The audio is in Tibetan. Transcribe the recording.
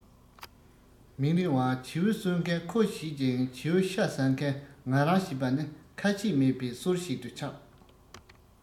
མི རིང བར བྱིའུ གསོད མཁན ཁོ བྱེད ཅིང བྱིའུ ཤ ཟ མཁན ང རང བྱེད པ ནི ཁ ཆད མེད པའི སྲོལ ཞིག ཏུ ཆགས